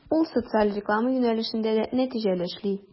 Ул социаль реклама юнәлешендә дә нәтиҗәле эшли.